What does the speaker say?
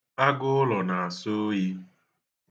Agụụlọ na-asọ oyi.